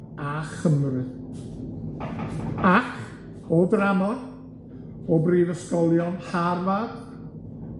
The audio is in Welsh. a Chymru, ac o dramor o brifysgolion Harvard,